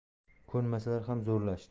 ko'nmasalar ham zo'rlashdi